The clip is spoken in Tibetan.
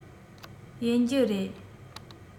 ཡིན རྒྱུ རེད